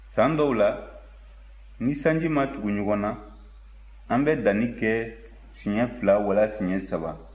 san dɔw la ni sanji ma tugu ɲɔgɔn na an bɛ danni kɛ siɲɛ fila wala siɲɛ saba